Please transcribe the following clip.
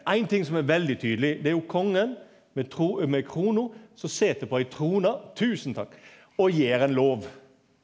ein ting som er veldig tydeleg det er jo kongen med med krona som sit på ei trona tusen takk og gjev ein lov.